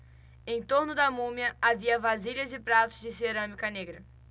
em torno da múmia havia vasilhas e pratos de cerâmica negra